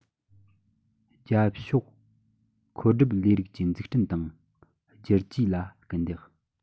རྒྱབ ཕྱོགས མཁོ སྒྲུབ ལས རིགས ཀྱི འཛུགས སྐྲུན དང བསྒྱུར བཅོས ལ སྐུལ འདེད